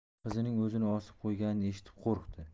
qizining o'zini osib qo'yganini eshitib qo'rqdi